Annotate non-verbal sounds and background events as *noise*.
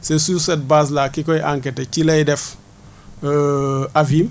c' est sur cette base là ki koy enquête ci lay def *hesitation* avis